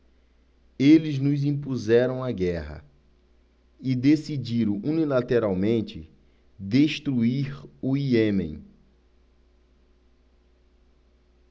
eles nos impuseram a guerra e decidiram unilateralmente destruir o iêmen